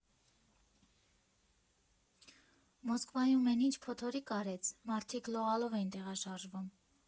Մոսկվայում էն ի՜նչ փոթորիկ արեց՝ մարդիկ լողալով էին տեղաշարժվում։